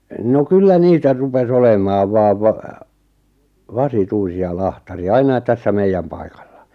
no kyllä niitä rupesi olemaan vain - vasituisia lahtareita aina tässä meidän paikalla